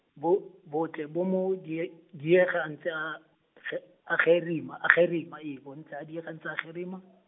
bo, botle bo mo die-, diega a ntse a, ge-, a gerima, a gerima, ee, bo ntse a diega a ntse a gerima .